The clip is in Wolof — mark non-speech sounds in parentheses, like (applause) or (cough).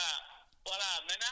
waaw (laughs) asonosordis